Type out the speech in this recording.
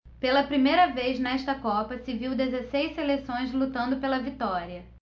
pela primeira vez nesta copa se viu dezesseis seleções lutando pela vitória